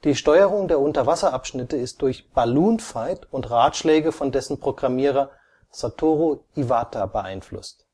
Steuerung der Unterwasser-Abschnitte ist durch Balloon Fight (NES, 1984) und Ratschläge von dessen Programmierer Satoru Iwata beeinflusst